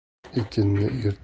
ekinni erta yiqqan xirmon